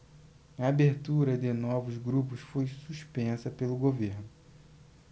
a abertura de novos grupos foi suspensa pelo governo